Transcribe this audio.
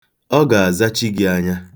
Ọ ga-azachi gị eye.